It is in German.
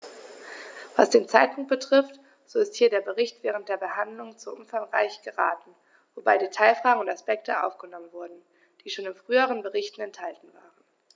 Was den Zeitpunkt betrifft, so ist hier der Bericht während der Behandlung zu umfangreich geraten, wobei Detailfragen und Aspekte aufgenommen wurden, die schon in früheren Berichten enthalten waren.